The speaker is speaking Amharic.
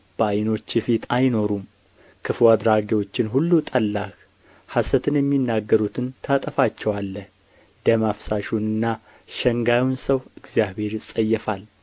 በዓይኖችህ ፊት አይኖሩም ክፉ አድራጊዎችን ሁሉ ጠላህ ሐሰትን የሚናገሩትን ታጠፋቸዋለህ ደም አፍሳሹንና ሸንጋዩን ሰው እግዚአብሔር ይጸየፋል